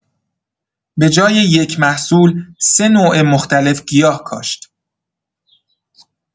به‌جای یک محصول، سه نوع مختلف گیاه کاشت.